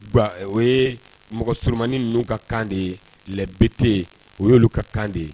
O ye mɔgɔ smaninin n' ka kan de ye lɛbete o y'olu ka kan de ye